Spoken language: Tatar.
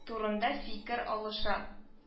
Турында фикер алыша